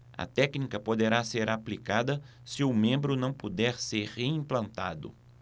a técnica poderá ser aplicada se o membro não puder ser reimplantado